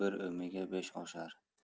bir o'miga besh oshar